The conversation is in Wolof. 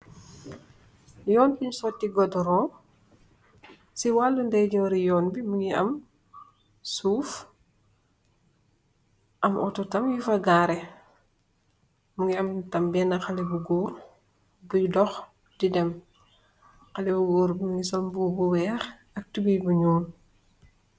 Yoon buñg sooti goddoroñg, si ndeyjoor i Yoon bi mu ngi am suuf, .amm oto tam yu fa gareh. mu ngi am tamit xalé bu goor buy dox di dem. Xalé bu good bi mu ngi sol mbuba bu weex ak tubboy bu ñuul.